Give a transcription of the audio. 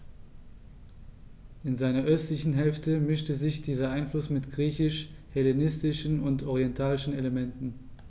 In seiner östlichen Hälfte mischte sich dieser Einfluss mit griechisch-hellenistischen und orientalischen Elementen.